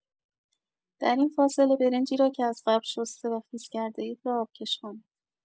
در این فاصله برنجی را که از قبل شسته و خیس کرده‌اید را آبکش کنید.